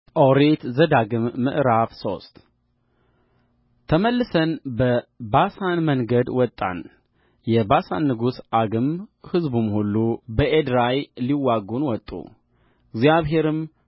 ኦሪት ዘዳግም ምዕራፍ ሶስት ተመልሰን በባሳን መንገድ ወጣን የባሳን ንጉሥ ዐግም ሕዝቡም ሁሉ በኤድራይ ሊዋጉን ወጡእግዚአብሔርም